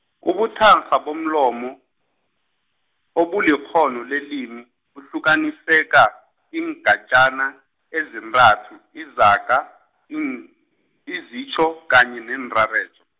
ubuthakgha bomlomo, obulikghono lelimi, buhlukaniseka, iingatjana, ezintathu, izaga, in- izitjho, kanye neenrarejo.